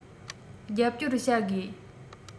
རྒྱབ སྐྱོར བྱ དགོས